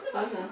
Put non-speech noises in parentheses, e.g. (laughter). (crosstalk) (hesitation) (hesitation)